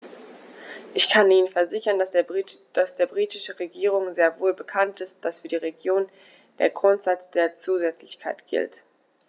Ich kann Ihnen versichern, dass der britischen Regierung sehr wohl bekannt ist, dass für die Regionen der Grundsatz der Zusätzlichkeit gilt.